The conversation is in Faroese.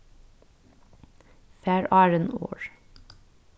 far áðrenn orð